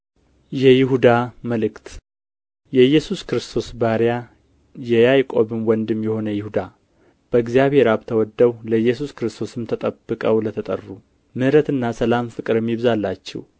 የይሁዳ መልእክት የኢየሱስ ክርስቶስ ባሪያ የያዕቆብም ወንድም የሆነ ይሁዳ በእግዚአብሔር አብ ተወደው ለኢየሱስ ክርስቶስም ተጠብቀው ለተጠሩ ምሕረትና ሰላም ፍቅርም ይብዛላችሁ